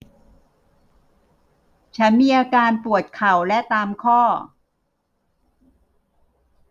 ฉันมีอาการปวดเข่าและตามข้อ